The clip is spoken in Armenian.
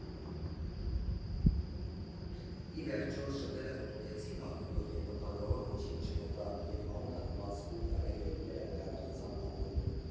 Ի վերջո, շները հոտոտեցին ակումբը և վտանգավոր ոչինչ չգտան, և ամենադիմացկուն ռեյվերները վերադարձան ակումբ։